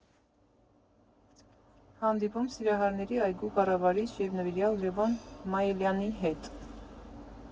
Հանդիպում Սիրահարների այգու կառավարիչ և նվիրյալ Լևոն Մայիլյանի հետ։